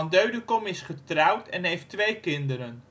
Deudekom is getrouwd en heeft twee kinderen